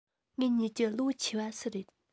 ངེད གཉིས ཀྱི ལོ ཆེ བ སུ རེད